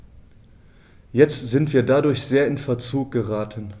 Jetzt sind wir dadurch sehr in Verzug geraten.